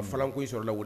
Falan ko in sɔrɔ la